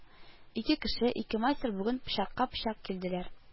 Ике кеше, ике мастер бүген пычакка-пычак килделәр: